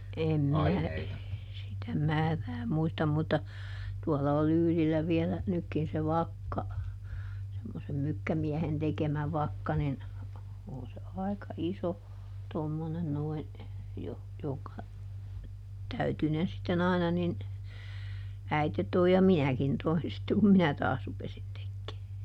en minä sitä määrää muista mutta tuolla on Lyylillä vielä nytkin se vakka semmoisen mykkämiehen tekemä vakka niin on se aika iso tuommoinen noin - jonka täytyinen sitten aina niin äiti toi ja minäkin toin sitten kun minä taas rupesin tekee